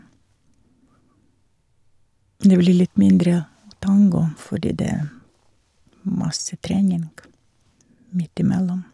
Det blir litt mindre tango, fordi det er masse trening midt imellom.